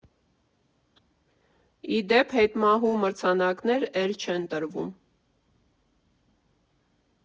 Ի դեպ, հետմահու մրցանակներ էլ չեն տրվում.